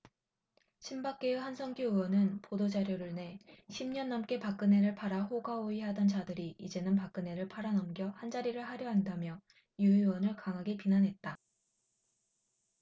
친박계의 한선교 의원은 보도 자료를 내 십 년 넘게 박근혜를 팔아 호가호위를 하던 자들이 이제는 박근혜를 팔아넘겨 한자리를 하려 한다며 유 의원을 강하게 비난했다